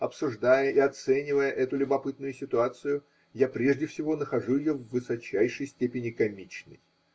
Обсуждая и оценивая эту любопытную ситуацию, я прежде всего нахожу ее в высочайшей степени комичной.